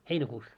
heinäkuussa